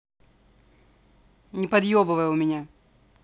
не подъебывай у меня